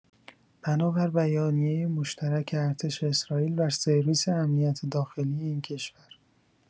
بنا بر بیانیه مشترک ارتش اسرائیل و سرویس امنیت داخلی این کشور